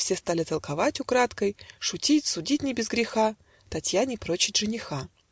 Все стали толковать украдкой, Шутить, судить не без греха, Татьяне прочить жениха